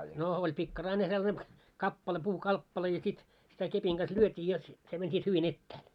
no oli pikkarainen sellainen kappale puukappale ja sitten sitä kepin kanssa lyötiin jotta se meni sitten hyvin etäälle